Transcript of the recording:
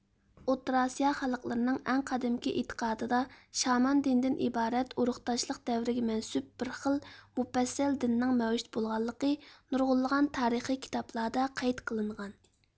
ئوتتۇرا ئاسىيا خەلقلىرىنىڭ ئەڭ قەدىمكى ئېتىقادىدا شامان دىنىدىن ئىبارەت ئۇرۇقداشلىق دەۋرىگە مەنسۇپ بىر خىل مۇپەسسەل دىننىڭ مەۋجۇت بولغانلىقى نۇرغۇنلىغان تارىخىي كىتابلاردا قەيت قىلىنغان